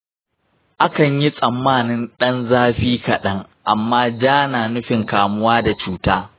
akan yi tsammanin ɗan zafi kaɗan, amma ja na nufin kamuwa da cuta.